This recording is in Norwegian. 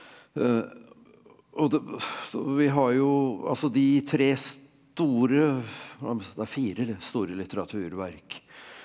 og det vi har jo altså de tre store det er fire store litteraturverk.